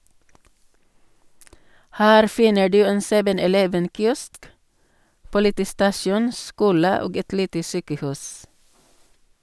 Her finner du en 7-eleven kiosk, politistasjon, skole og et lite sykehus.